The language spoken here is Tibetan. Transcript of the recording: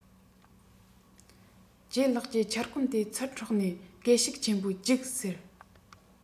ལྗད ལགས ཀྱིས ཕྱུར སྐོམ དེ ཚུར འཕྲོག ནས སྐད ཤུགས ཆེན པོས རྒྱུགས ཟེར